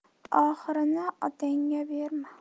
oxirini otangga berma